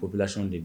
Population de don